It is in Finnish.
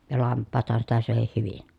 ja lampaathan sitä söikin hyvin